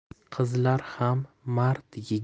qizlar ham mard